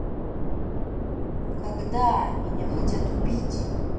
когда меня хотят убить